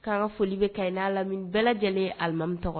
K'an ka foli bɛ ka bɛɛ lajɛlen alimami tɔgɔ